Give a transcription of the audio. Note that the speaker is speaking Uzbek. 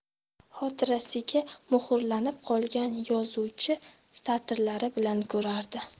xotirasiga muhrlanib qolgan yozuvchi satrlari bilan ko'rardi